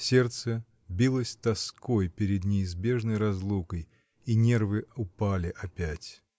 Сердце билось тоской перед неизбежной разлукой, и нервы упали опять.